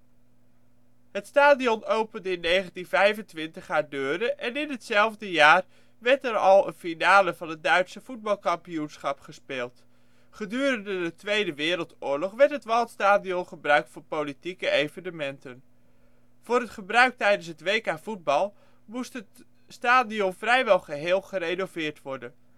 stadion opende in 1925 haar deuren en in het zelfde jaar werd er al de finale van het Duitse voetbalkampioenschap gespeeld. Gedurende de Tweede Wereldoorlog werd het Waldstadion gebruikt voor politieke evenementen. Voor het gebruik tijdens het WK voetbal 2006 moest het stadion vrijwel geheel gerenoveerd worden